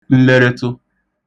nleretụ